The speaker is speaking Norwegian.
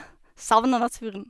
Savner naturen.